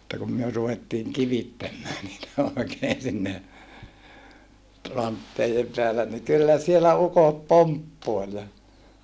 mutta kun me ruvettiin kivittämään niitä oikein sinne rantteiden päällä niin kyllä siellä ukot pomppoili ja